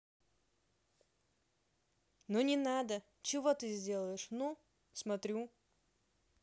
ну не надо чего ты сделаешь ну смотрю